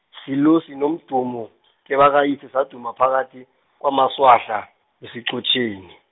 silo sinomdumo, kebakayise saduma phakathi kwamaswahla, weSichotjeni.